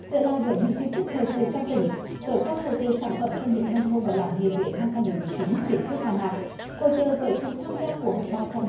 trở lại với những tin tức thời sự trong tỉnh tối qua hội chợ sản phẩm công nghiệp nông thôn và làng nghề huế năm hai nghìn mười chín chính thức khai mạc hội chợ với sự tham gia của hơn ba trăm